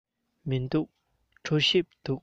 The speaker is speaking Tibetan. མི འདུག གྲོ ཞིབ འདུག